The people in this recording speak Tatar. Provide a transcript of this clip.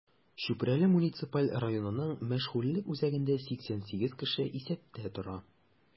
Чүпрәле муниципаль районының мәшгульлек үзәгендә 88 кеше исәптә тора.